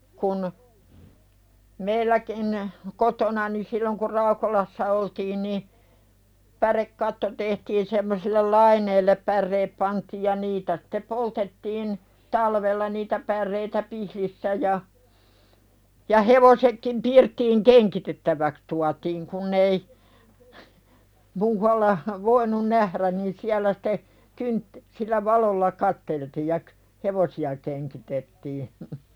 kun meilläkin kotonani silloin kun Raukolassa oltiin niin pärekatto tehtiin semmoisille laineille päreet pantiin ja niitä sitten poltettiin talvella niitä päreitä pihdissä ja ja hevosetkin pirttiin kengitettäväksi tuotiin kun ei muualla voinut nähdä niin siellä sitten - sillä valolla katseltiin ja - hevosia kengitettiin